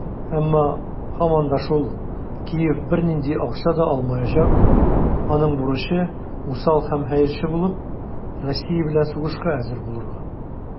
Әмма, һаман да шул, Киев бернинди акча да алмаячак - аның бурычы усал һәм хәерче булып, Россия белән сугышка әзер булырга.